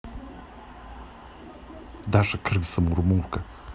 даша крыса мурмурка